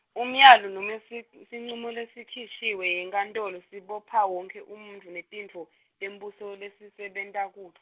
Umyalo nome si- sincumo lesikhishwe yinkantolo sibopha wonkhe umuntfu netintfo, tembuso lesisebenta kut-.